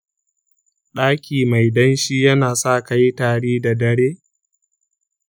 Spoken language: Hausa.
daki mai ɗanshi yana sa ka yi tari da dare?